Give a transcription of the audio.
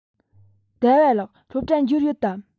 ཟླ བ ལགས སློབ གྲྭར འབྱོར ཡོད དམ